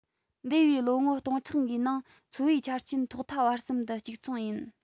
འདས པའི ལོ ངོ སྟོང ཕྲག འགའི ནང འཚོ བའི ཆ རྐྱེན ཐོག མཐའ བར གསུམ དུ གཅིག མཚུངས ཡིན